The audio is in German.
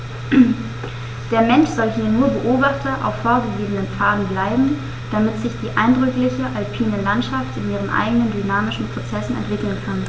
Der Mensch soll hier nur Beobachter auf vorgegebenen Pfaden bleiben, damit sich die eindrückliche alpine Landschaft in ihren eigenen dynamischen Prozessen entwickeln kann.